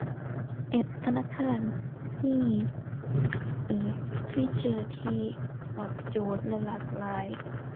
แอปธนาคารมี เอ่อ ฟีเจอร์ที่ตอบโจทย์และหลากหลาย